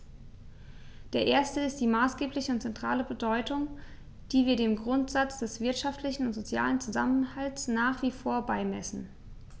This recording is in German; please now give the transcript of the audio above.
Der erste ist die maßgebliche und zentrale Bedeutung, die wir dem Grundsatz des wirtschaftlichen und sozialen Zusammenhalts nach wie vor beimessen.